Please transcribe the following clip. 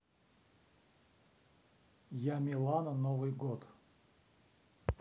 я милана новый год